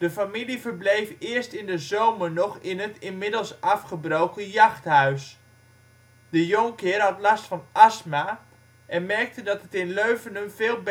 familie verbleef eerst in de zomer nog in het (inmiddels afgebroken) jachthuis. De Jonkheer had last van astma en merkte dat het in Leuvenum veel beter